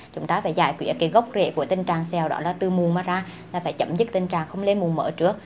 chúng ta phải giải quyết cái gốc rễ của tình trạng sẹo đó là từ mụn mà ra là phải chấm dứt tình trạng không lên mụn mới trước